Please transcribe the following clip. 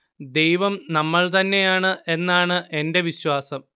ദൈവം നമ്മൾ തന്നെയാണ് എന്നാണ് എന്റെ വിശ്വാസം